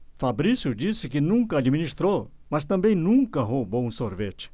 fabrício disse que nunca administrou mas também nunca roubou um sorvete